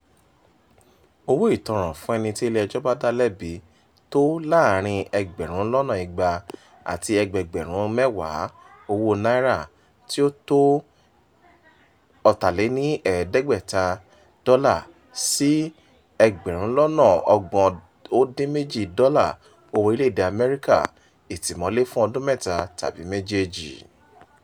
Owó ìtanràn fún ẹni tí ilé ẹjọ́ bá dá lẹ́bi tó láàárín ẹgbẹ̀rún 200 àti ẹgbẹẹgbẹ̀rún 10 owó naira [tí ó tó $556 sí $28,000 owó orílẹ̀ èdèe United States], ìtìmọ́lé fún ọdún mẹ́ta tàbí méjèèjì.